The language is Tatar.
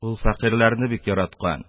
Ул фәкыйрьләрне бик яраткан...